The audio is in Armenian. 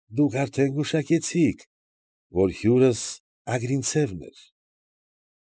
Դուք արդեն գուշակեցիք, որ հյուրս Ագրինցևն էր։